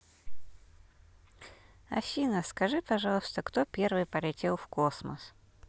афина скажи пожалуйста кто первый полетел в космос